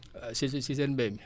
waaw si si si seen mbéy mi